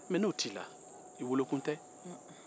mɛ n'o tɛ i la i wolokun tɛ